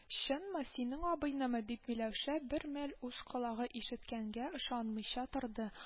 — чынмы?! синең абыйнымы! — дип, миләүшә бер мәл үз колагы ишеткәнгә ышанмыйча торды